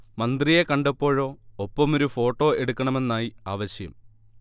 മന്ത്രിയെ കണ്ടപ്പോഴോ ഒപ്പമൊരു ഫോട്ടോ എടുക്കണമെന്നായി ആവശ്യം